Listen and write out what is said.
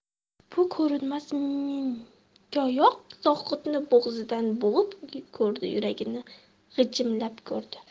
bu ko'rinmas mingoyoq zohidni bo'g'zidan bo'g'ib ko'rdi yuragini g'ijimlab ko'rdi